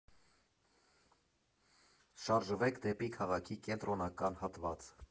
Շարժվեք դեպի քաղաքի կենտրոնական հատված։